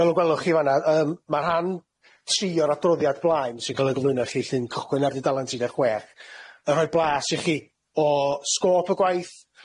Fel y gwelwch chi fana yym ma' rhan tri o'r adroddiad blaen sy'n ca'l ei gylwyno i chi lly'n cychwyn ar dudalan tri deg chwech, yy rhoi blas i chi o sgôp y gwaith,